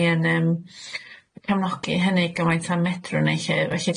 ni yn yym cefnogi hynny gymaint a medrwn ni 'lly, felly